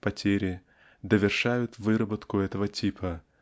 потери довершают выработку этого типа